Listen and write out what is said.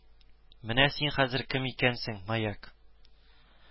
Менә син хәзер кем икәнсең, Маяк